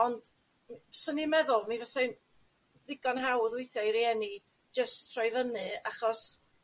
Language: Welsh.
Ond n- 'swn i'n meddwl mi fysai'n ddigon hawdd weithia' i rieni jyst rhoi fyny achos